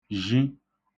zhi